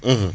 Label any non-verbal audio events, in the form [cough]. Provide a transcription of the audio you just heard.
[hesitation] [hesitation]